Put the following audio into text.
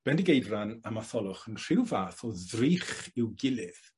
Bendigeidfran a Matholwch yn rhyw fath o ddrych i'w gilydd,